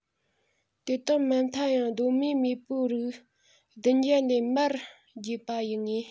དེ དག མ མཐའ ཡང གདོད མའི མེས པོའི རིགས བདུན བརྒྱད ལས མར བརྒྱུད པ ཡིན ངེས